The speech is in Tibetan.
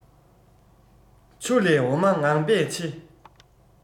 ཆུ ལས འོ མ ངང པས ཕྱེ